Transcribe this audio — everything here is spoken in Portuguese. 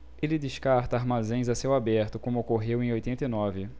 ele descarta armazéns a céu aberto como ocorreu em oitenta e nove